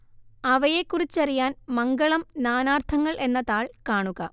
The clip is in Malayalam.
അവയെക്കുറിച്ചറിയാൻ മംഗളം നാനാർത്ഥങ്ങൾ എന്ന താൾ കാണുക